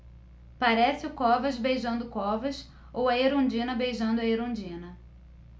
parece o covas beijando o covas ou a erundina beijando a erundina